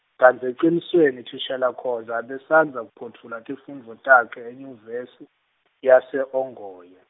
kantsi ecinisweni thishela Khoza abebasandza kuphotfula tifundvo takhe enyuvesi, yase-Ongoye.